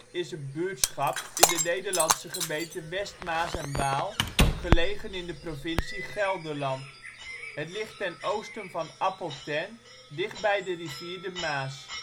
is een buurtschap in de Nederlandse gemeente West Maas en Waal, gelegen in de provincie Gelderland. Het ligt te oosten van Appeltern dichtbij de rivier de Maas